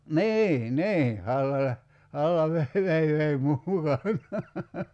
niin niin halla - halla - vei vei - mukanaan